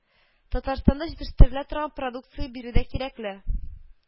Татарстанда җитештерелә торган продукция биредә кирәкле